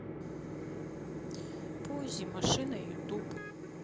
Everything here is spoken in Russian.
поззи машина ютуб